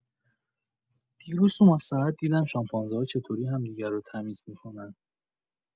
دیروز تو مستند دیدم شامپانزه‌ها چجوری همدیگه رو تمیز می‌کنن.